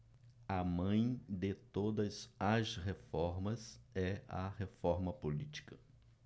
a mãe de todas as reformas é a reforma política